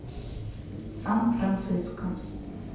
сан франциско